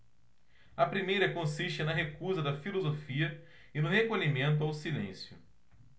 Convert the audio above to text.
a primeira consiste na recusa da filosofia e no recolhimento ao silêncio